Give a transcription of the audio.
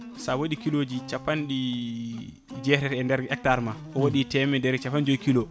sa waɗi kilos ji capanɗe jeetati e nder hectare ma o waɗi temedere e capanɗe jooyi kiols